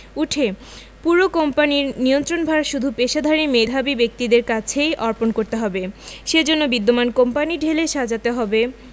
উঠে পুরো কোম্পানির নিয়ন্ত্রণভার শুধু পেশাদারি মেধাবী ব্যক্তিদের কাছেই অর্পণ করতে হবে সে জন্য বিদ্যমান কোম্পানি ঢেলে সাজাতে হবে